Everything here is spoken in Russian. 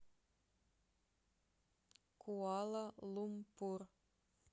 куала лумпур